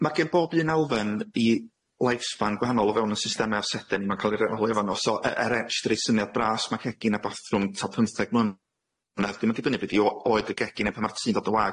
Ma' gen bob un elfen 'i lifespan gwahanol o fewn 'yn systeme asede ni. Ma'n ca'l 'i reoli o fan'no. So yy er etch i roid syniad bras, ma' cegin a bathrwm t'a pymtheg mlynedd, 'dyn ma'n dibynnu be' 'di o- oed y gegin ne' pan ma'r tŷ'n dod yn wag.